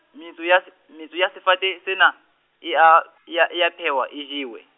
metso ya s-, metso ya sefate sena, e a, e a, e a phehwa, e jewe.